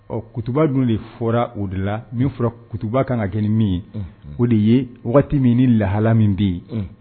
Ɔ kutuba dun de fɔra o de la min fɔra kutuba kan ka kɛ min o de ye waati min ni lahala min bɛ yen